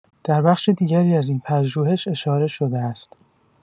در بخش دیگری از این پژوهش اشاره‌شده است